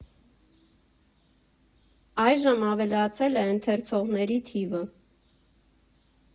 Այժմ ավելացել է ընթերցողների թիվը։